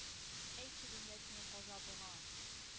Әйтче, дөнья, синең газабыңа